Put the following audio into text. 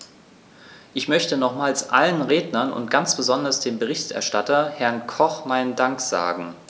Ich möchte nochmals allen Rednern und ganz besonders dem Berichterstatter, Herrn Koch, meinen Dank sagen.